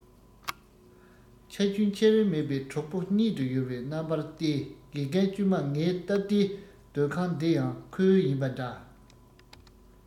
ཆ རྒྱུས ཆེར མེད པའི གྲོགས པོ གཉིད དུ ཡུར བའི རྣམ པར བལྟས དགེ རྒན དཀྱུས མ ངའི སྟབས བདེའི སྡོད ཁང འདི ཡང ཁོའི ཡིན པ འདྲ